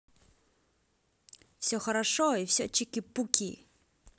все хорошо и все чики пуки